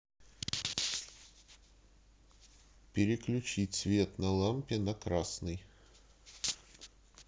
переключить свет на лампе на красный